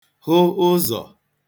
hụ ụzọ̀